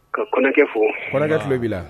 Ka kɔnɛkɛ fɔ, an baa, kɔnɛkɛ tulo b'i la.